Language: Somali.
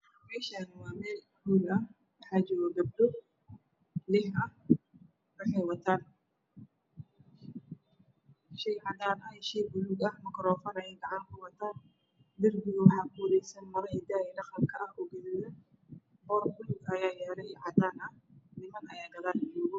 Meeshaan waa meel hool ah waxaa joogo gabdho lix ah waxay wataan shay cadaan ah iyo shay buluug ah iyo makaroofan ayay gacanta ku wataan. Darbigu waxaa kuwareegsan maro hidiyo dhaqanka oo gaduudan roog cadaan ah ayaa yaalo niman ayaa gadaal joogo.